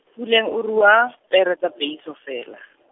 Puleng o rua, pere tsa peiso feela.